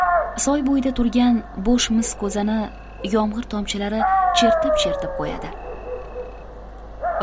soy bo'yida turgan bo'sh mis ko'zani yomg'ir tomchilari chertib chertib qo'yadi